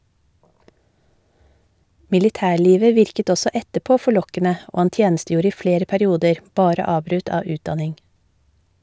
Militærlivet virket også etterpå forlokkende, og han tjenestegjorde i flere perioder, bare avbrutt av utdanning.